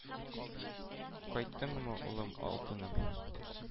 Кайттыңмы, улым, алтыным!